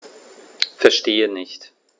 Verstehe nicht.